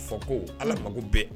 Fa ko ala mago bɛɛ